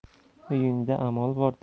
uyingda amol boor